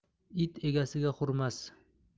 it egasiga hurmas